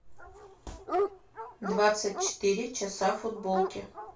двадцать четыре часа футболке